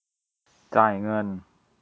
จ่ายเงิน